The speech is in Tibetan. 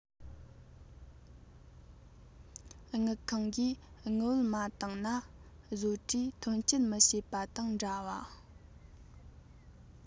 དངུལ ཁང གིས དངུལ བུན མ བཏང ན བཟོ གྲྭས ཐོན སྐྱེད མི བྱེད པ དང འདྲ བ